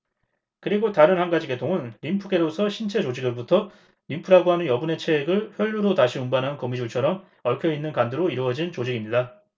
그리고 다른 한 가지 계통은 림프계로서 신체 조직으로부터 림프라고 하는 여분의 체액을 혈류로 다시 운반하는 거미줄처럼 얽혀 있는 관들로 이루어진 조직입니다